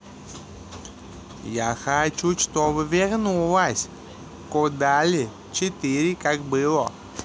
я хочу чтобы вернулась кодали четыре как было